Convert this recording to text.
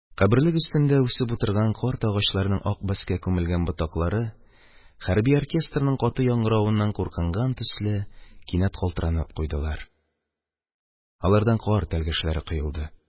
Каберлек өстендә үсеп утырган карт агачларның ак бәскә күмелгән ботаклары, хәрби оркестрның каты яңгыравыннан куркынган төсле, кинәт калтыранып куйдылар, алардан кар тәлгәшләре коелды.